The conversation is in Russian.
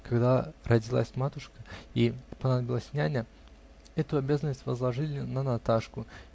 Когда родилась матушка и понадобилась няня, эту обязанность возложили на Наташку.